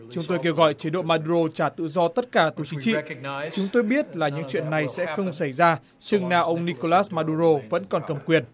chúng tôi kêu gọi chế độ ma đu rô trả tự do tất cả tù chính trị chúng tôi biết là những chuyện này sẽ không xảy ra chừng nào ông ni cô lát ma đu rô vẫn còn cầm quyền